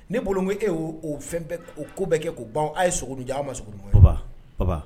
Ni bolo e y o fɛn ko bɛɛ kɛ k' baw a ye sogo an ma sogo baba baba